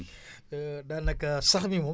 daanaka sax mi moom